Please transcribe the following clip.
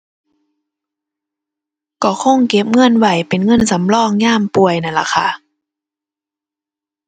ก็คงเก็บเงินไว้ เป็นเงินสำรองยามป่วยนั่นล่ะค่ะ